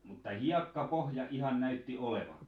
mutta hiekkapohja ihan näytti olevan